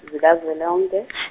zikazwelonke .